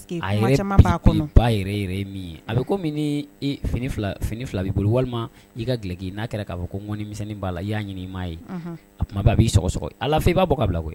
A ko ba yɛrɛ min ye a bɛ ko min fini fila bɛi bolo walima i kaki i n'a kɛra k'a fɔ ko ŋmisɛn b'a la i y'a ɲini i ma ye a kuma b' b'iɔgɔɔgɔ ala f i b'a bɔ ka bila koyi